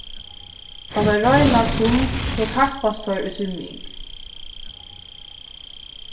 tá teir royna sund so kappast teir í svimjing